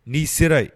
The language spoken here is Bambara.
N’i sera yen